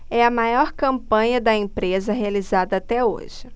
é a maior campanha da empresa realizada até hoje